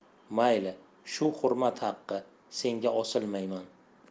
mayli shu hurmat haqqi senga osilmayman